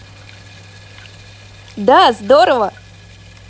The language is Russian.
да здорово